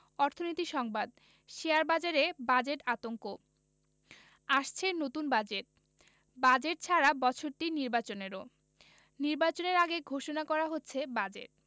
অর্থনীতি সংবাদ শেয়ারবাজারে বাজেট আতঙ্ক আসছে নতুন বাজেট বাজেট ছাড়া বছরটি নির্বাচনেরও নির্বাচনের আগে ঘোষণা করা হচ্ছে বাজেট